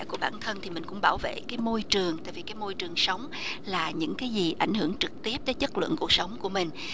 của bản thân thì mình cũng bảo vệ cái môi trường tại vì cái môi trường sống là những cái gì ảnh hưởng trực tiếp tới chất lượng cuộc sống của mình